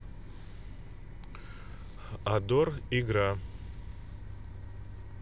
адор игра